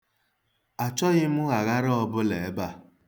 Achọghị m aghara ọbụla ebe a.